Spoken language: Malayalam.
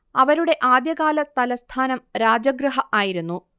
അവരുടെ ആദ്യകാലതലസ്ഥാനം രാജഗൃഹ ആയിരുന്നു